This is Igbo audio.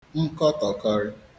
nkọtọkọrị̀